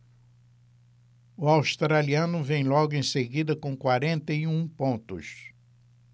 o australiano vem logo em seguida com quarenta e um pontos